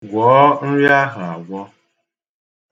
Gwọọ nri ahụ agwọ.